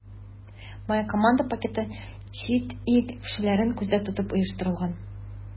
“моя команда” пакеты чит ил кешеләрен күздә тотып оештырылган.